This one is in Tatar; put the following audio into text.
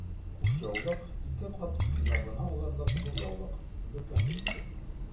Кушъяулык— ике кат ябына алырлык зур яулык, бөркәнчек...